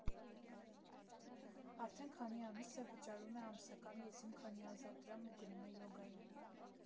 Արդեն քանի ամիս է՝ վճարում է ամսական եսիմ քանի հազար դրամ ու գնում է յոգայի։